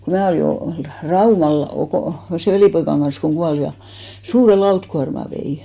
kun minä olin olin Raumalla Okon sen velipoikani kanssa kun kuoli ja suuren lautakuorman vein